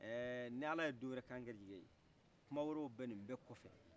eɛ ni ala ye don wɛrɛ kɛ an garijigɛ ye kuman wɛrɛw bɛ in bɛɛ ko fɛ